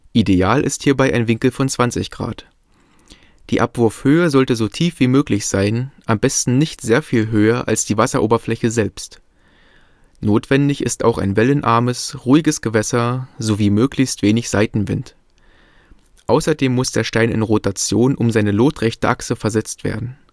Ideal ist hierbei ein Winkel von 20°. Die Abwurfhöhe sollte so tief wie möglich sein, am besten nicht sehr viel höher als die Wasseroberfläche selbst. Notwendig ist auch ein wellenarmes, ruhiges Gewässer sowie möglichst wenig Seitenwind. Außerdem muss der Stein in Rotation um seine lotrechte Achse versetzt werden